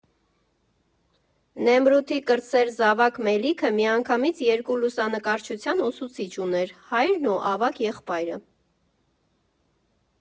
Նեմրութի կրտսեր զավակ Մելիքը միանգամից երկու լուսանկարչության ուսուցիչ ուներ՝ հայրն ու ավագ եղբայրը։